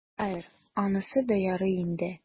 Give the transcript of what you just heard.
Хәер, анысы да ярый инде.